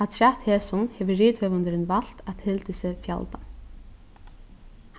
afturat hesum hevur rithøvundurin valt at hildið seg fjaldan